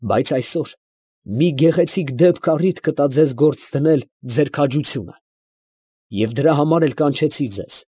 Բայց այսօր մի գեղեցիկ դեպք առիթ կտա ձեզ գործ դնել ձեր քաջությունը, և դրա համար էլ կանչեցի ձեզ։